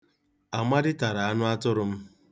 Amadi tara anụatụrụ m.